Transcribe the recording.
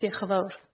Ia, diolch yn fowr.